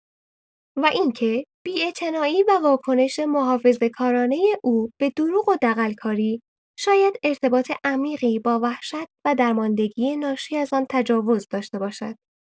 و اینکه بی‌اعتنایی و واکنش محافظه‌کارانه او به دروغ و دغل‌کاری، شاید ارتباط عمیقی با وحشت و درماندگی ناشی از آن تجاوز داشته باشد.